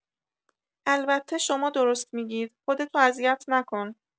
البته شما درست می‌گید خودتو اذیت نکن